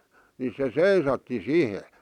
niin se seisahti siihen